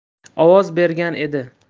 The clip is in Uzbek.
ovoz bergan edi